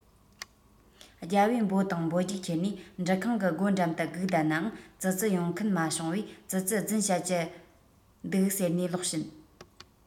རྒྱལ པོས འབོ དང འབོ རྒྱུགས ཁྱེར ནས འབྲུ ཁང གི སྒོ འགྲམ དུ སྒུག བསྡད ནའང ཙི ཙི ཡོང མཁན མ བྱུང བས ཙི ཙིས རྫུན བཤད ཀྱི འདུག ཟེར ནས ལོག ཕྱིན